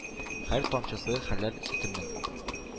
Һәр тамчысы хәләл сөтемнең;